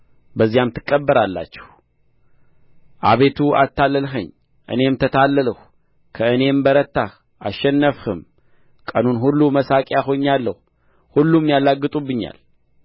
በዚያም ትቀበራላችሁ አቤቱ አታለልኸኝ እኔም ተታለልሁ ከእኔም በረታህ አሸነፍህም ቀኑን ሁሉ መሳቂያ ሆኛለሁ ሁሉም ያላግጡብኛል